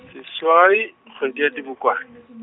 seswai kgwedi ya Dibokwane.